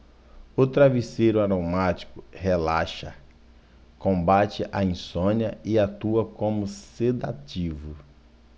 o travesseiro aromático relaxa combate a insônia e atua como sedativo